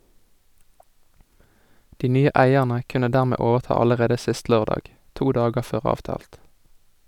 De nye eierne kunne dermed overta allerede sist lørdag, to dager før avtalt.